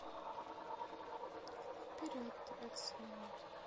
вперед двадцать минут